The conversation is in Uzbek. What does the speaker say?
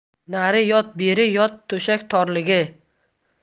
nari yot beri yot to'shak torligi